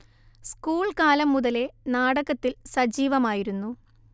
school കാലം മുതലേ നാടകത്തിൽ സജീവമായിരുന്നു